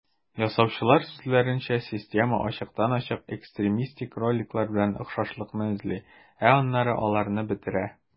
Ясаучылар сүзләренчә, система ачыктан-ачык экстремистик роликлар белән охшашлыкны эзли, ә аннары аларны бетерә.